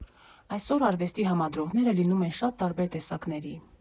Այսօր արվեստի համադրողները լինում են շատ տարբեր տեսակների։